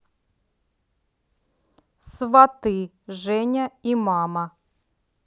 сваты женя и мама